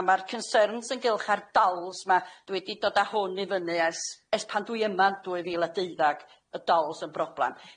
A ma'r cynserns yn gylch ar dolls ma' dwi di dod â hwn i fyny es es pan dwi yma'n dwy fil a deuddag y dolls yn broblam.